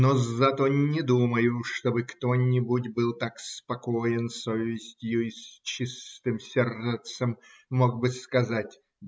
Но зато не думаю, чтобы кто-нибудь был так спокоен совестью и с чистым сердцем мог бы сказать